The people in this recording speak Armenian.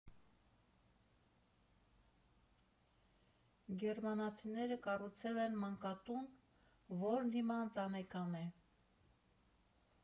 Գերմանացիները կառուցել են մանկատուն, որն հիմա ընտանեկան է։